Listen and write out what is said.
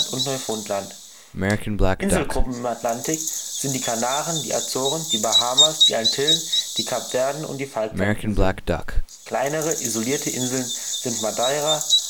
Neufundland. Inselgruppen im Atlantik sind die Kanaren, die Azoren, die Bahamas, die Antillen, die Kapverden und die Falklandinseln. Kleinere, isolierte Inseln sind Madeira